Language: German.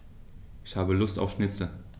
Ich habe Lust auf Schnitzel.